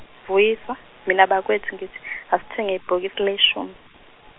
Vuyiswa, mina bakwethu ngithi asithenge ibhokisi leshumi.